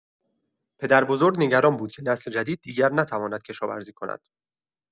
پدربزرگ نگران بود که نسل جدید دیگر نتواند کشاورزی کند.